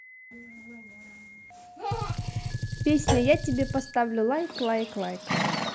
песня я тебе поставлю лайк лайк лайк